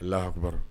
Ha